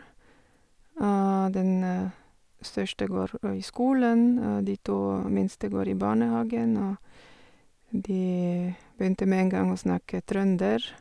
Den største går i skolen, og de to minste går i barnehagen, og de begynte med en gang å snakke trønder.